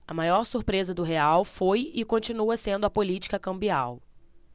a maior surpresa do real foi e continua sendo a política cambial